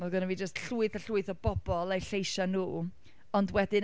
oedd gynna fi jyst llwyth a llwyth o bobl a'u lleisia nhw, ond wedyn...